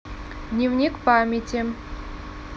дневник памяти